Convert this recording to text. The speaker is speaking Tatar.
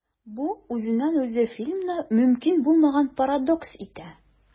Бу үзеннән-үзе фильмны мөмкин булмаган парадокс итә.